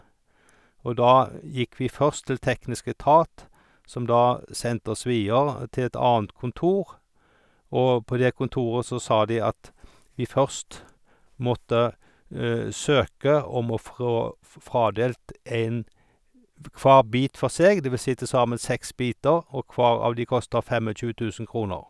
Og da gikk vi først til teknisk etat, som da sendte oss videre til et annet kontor, og på det kontoret så sa de at vi først måtte søke om å frå få fradelt en v kvar bit for seg, det vil si til sammen seks biter, og kvar av de kostet fem og tjue tusen kroner.